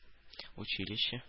Училище